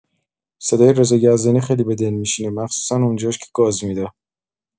صدای رضا یزدانی خیلی به دل میشینه، مخصوصا اونجاهاش که گاز می‌ده.